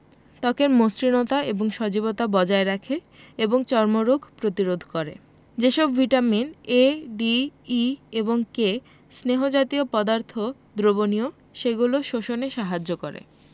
ত্বকের মসৃণতা এবং সজীবতা বজায় রাখে এবং চর্মরোগ প্রতিরোধ করে যে সব ভিটামিন A D E এবং K স্নেহ জাতীয় পদার্থ দ্রবণীয় সেগুলো শোষণে সাহায্য করে